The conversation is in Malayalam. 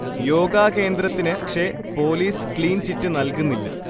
യോഗാ കേന്ദ്രത്തിന് പക്ഷേ പൊലീസ് ക്ളീൻ ചിറ്റ് നല്കുന്നില്ല